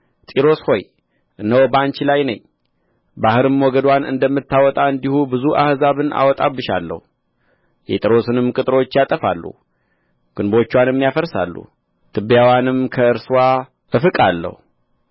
ጢሮስ ሆይ እነሆ በአንቺ ላይ ነኝ ባሕርም ሞገድዋን እንደምታወጣ እንዲሁ ብዙ አሕዛብን አወጣብሻለሁ የጢሮስንም ቅጥሮች ያጠፋሉ ግንቦችዋንም ያፈርሳሉ ትቢያዋንም ከእርስዋ እፍቃለሁ